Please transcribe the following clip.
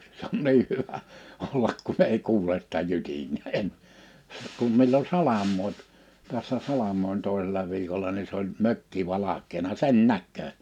se on niin hyvä olla kun ei kuule sitä jytinää en kun milloin salamoi tässä salamoi toisella viikolla niin se oli mökki valkeana sen näkee